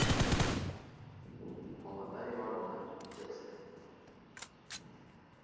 молодая ворона текст